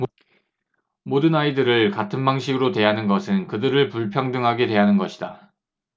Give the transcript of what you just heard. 모든 아이들을 같은 방식으로 대하는 것은 그들을 불평등하게 대하는 것이다